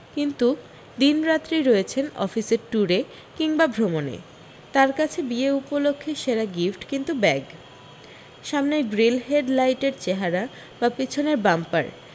কিন্তু দিনরাত্রি রয়েছেন অফিসের ট্যুরে কিংবা ভ্রমণে তাঁর কাছে বিয়ে উপলক্ষে সেরা গিফট কিন্তু ব্যাগ সামনের গ্রিল হেড লাইটের চেহারা বা পিছনের বাম্পার